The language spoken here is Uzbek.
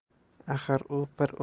axir u bir